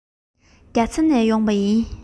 རྒྱ ཚ ནས ཡོང བ ཡིན